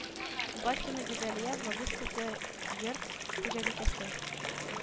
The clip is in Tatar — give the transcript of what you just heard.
Батина Гүзәлия Вәгыйзь кызы йорт хуҗабикәсе